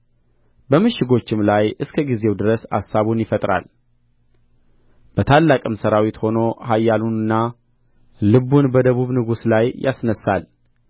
በምሽጎችም ላይ እስከ ጊዜው ድረስ አሳቡን ይፈጥራል በታላቅም ሠራዊት ሆኖ ኃይሉንና ልቡን በደቡብ ንጉሥ ላይ ያስነሣል